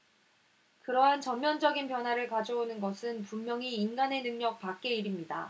그러한 전면적인 변화를 가져오는 것은 분명히 인간의 능력 밖의 일입니다